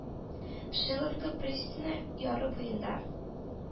Шиловка пристане яры буенда